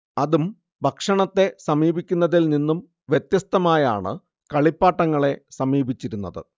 അതും ഭക്ഷണത്തെ സമീപിക്കുന്നതിൽ നിന്നും വ്യത്യസ്തമായാണ് കളിപ്പാട്ടങ്ങളെ സമീപിച്ചിരുന്നത്